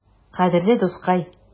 Кадерле дускай!